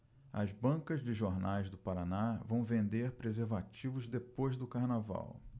as bancas de jornais do paraná vão vender preservativos depois do carnaval